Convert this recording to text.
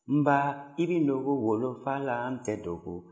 n ba i bɛ n dogo wolofa la n tɛ dogo